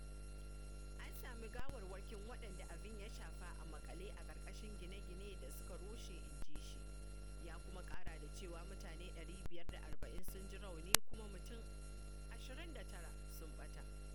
An sami gawarwakin waɗanda abin ya shafa a maƙale a ƙarƙashin gine-gine da suka rushe, inji shi, ya kuma ƙara da cewa mutane 540 sun ji rauni kuma mutum 29 sun ɓata.